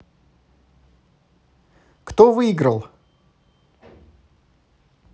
кто выиграл